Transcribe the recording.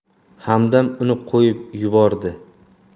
hamdam uni qo'yib yubordi